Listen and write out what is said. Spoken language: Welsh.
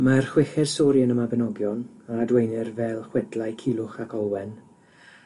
Mae'r chweched stori yn y Mabinogion a adwaenir fel chwedlau Culwch ac Olwen